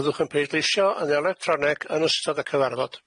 Byddwch yn pleidleisio yn electroneg yn ystod y cyfarfod.